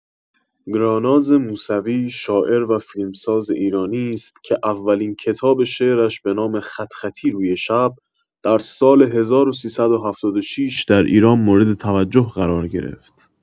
گراناز موسوی شاعر و فیلمساز ایرانی‌ست که اولین کتاب شعرش به نام «خط‌خطی روی شب» در سال ۱۳۷۶ در ایران مورد توجه قرار گرفت.